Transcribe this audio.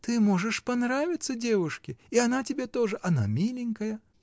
— Ты можешь понравиться девушке, и она тебе тоже: она миленькая.